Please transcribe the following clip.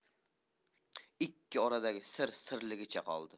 ikki oradagi sir sirligicha qoldi